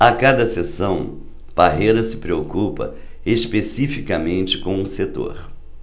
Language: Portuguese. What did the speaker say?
a cada sessão parreira se preocupa especificamente com um setor